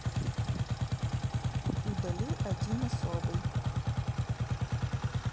удали один особый